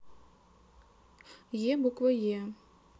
е буква е